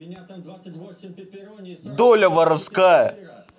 доля воровская